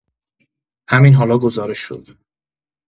همین حالا گزارش شد.